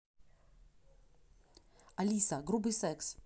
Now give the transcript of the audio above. алиса грубый секс